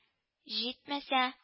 Җитмәсә